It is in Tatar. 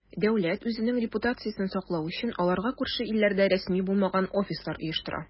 Дәүләт, үзенең репутациясен саклау өчен, аларга күрше илләрдә рәсми булмаган "офислар" оештыра.